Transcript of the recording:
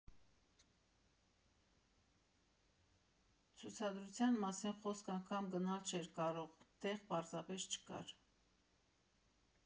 Ցուցադրության մասին խոսք անգամ գնալ չէր կարող՝ տեղ պարզապես չկար։